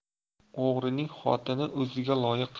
o'g'rining xotini o'ziga loyiq